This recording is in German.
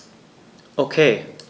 Okay.